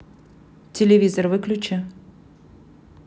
телевизор выключи